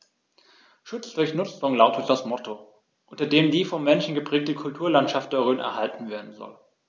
„Schutz durch Nutzung“ lautet das Motto, unter dem die vom Menschen geprägte Kulturlandschaft der Rhön erhalten werden soll.